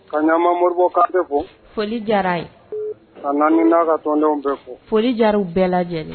Ka Ɲama Moribo Kante fo foli diyar'a ye ka Nani n'a ka tɔndenw bɛ fo foli diyar'u bɛɛla jɛlen